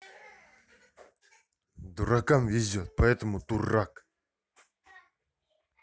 дуракам везет поэтому дурак